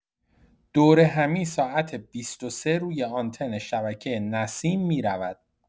دورهمی ساعت ۲۳ روی آنتن شبکه نسیم می‌رود.